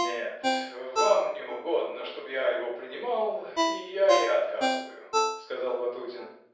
— Нет, вам не угодно, чтоб я его принимал, я и отказываю, — сказал Ватутин.